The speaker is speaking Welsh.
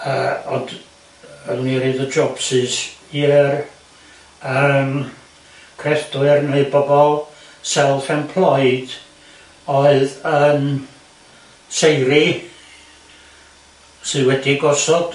Yy ond yy oeddwn i'n roid y jobsus i'r yym creffdwyr neu bobol self-employed oedd yn seiri sydd wedi gosod